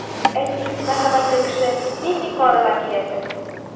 Ә син, мәрхәмәтле кеше, нинди карарга киләсең?